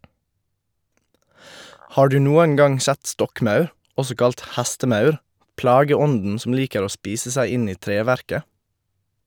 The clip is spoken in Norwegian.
Har du noen gang sett stokkmaur, også kalt hestemaur, plageånden som liker å spise seg inn i treverket?